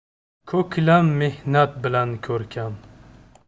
ko'klam mehnat bilan ko'rkam